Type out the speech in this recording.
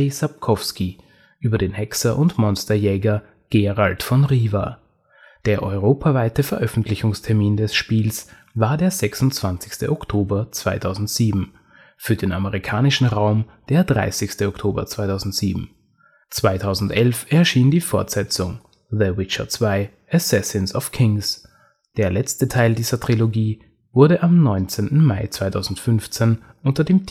Sapkowski über den Hexer und Monsterjäger Geralt von Riva. Der europaweite Veröffentlichungstermin des Spiels war der 26. Oktober 2007, für den amerikanischen Raum der 30. Oktober 2007. 2011 erschien die Fortsetzung, The Witcher 2: Assassins of Kings. Der letzte Teil dieser Trilogie wurde am 19. Mai 2015 unter dem